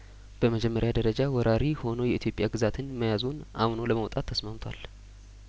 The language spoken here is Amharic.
በመጀመሪያ ደረጃ ወራሪ ሆኖ የኢትዮጵያ ግዛትን መያዙን አምኖ ለመውጣት ተስማምቷል